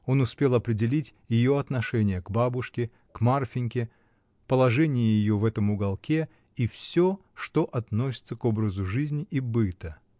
Он успел определить ее отношения к бабушке, к Марфиньке, положение ее в этом уголке и всё, что относится к образу жизни и быта.